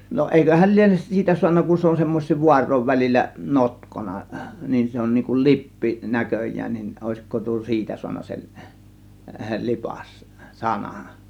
no eiköhän liene siitä saanut kun se on semmoisten vaarojen välillä notkona niin se on niin kuin lippi näköjään niin olisiko tuo siitä saanut sen lipas sanan